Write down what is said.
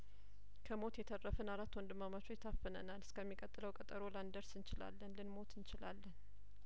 ከሞት የተረፍን አራት ወንድማማቾች ታፍነናል እስከሚቀጥለው ቀጠሮ ላንደርስ እንችላለንልን ሞት እንችላለን